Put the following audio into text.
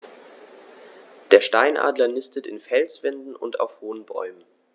Der Steinadler nistet in Felswänden und auf hohen Bäumen.